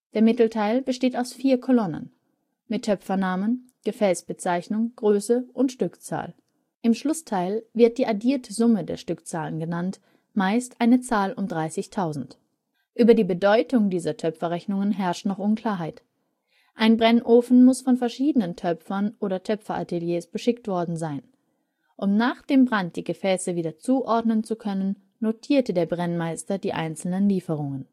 Der Mittelteil besteht aus vier Kolonnen mit Töpfernamen, Gefäßbezeichnung, Größe und Stückzahl. Im Schlussteil wird die addierte Summe der Stückzahlen genannt, meist eine Zahl um 30.000. Über die Bedeutung dieser Töpferrechnungen herrscht noch Unklarheit. Ein Brennofen muss von verschiedenen Töpfern oder Töpferateliers beschickt worden sein. Um nach dem Brand die Gefäße wieder zuordnen zu können, notierte der Brennmeister die einzelnen Lieferungen